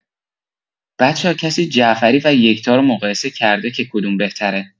بچه‌ها کسی جعفری و یکتا رو مقایسه کرده که کدوم بهتره؟